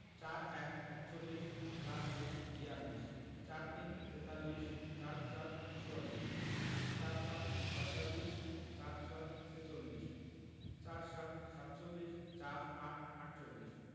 ৪১ - একচল্লিশ ৪২ - বিয়াল্লিশ ৪৩ - তেতাল্লিশ ৪৪ – চুয়াল্লিশ ৪৫ - পঁয়তাল্লিশ ৪৬ - ছেচল্লিশ ৪৭ - সাতচল্লিশ ৪৮ -আটচল্লিশ